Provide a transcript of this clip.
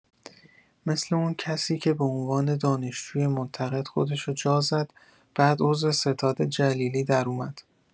مثل اون کسی که به عنوان دانشجوی منتقد خودشو جا زد بعد عضو ستاد جلیلی دراومد!